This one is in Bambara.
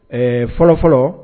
Ɛɛ fɔlɔ fɔlɔ